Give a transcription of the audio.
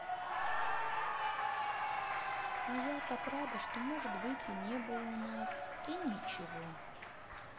а я так рада что может быть и не было у нас и ничего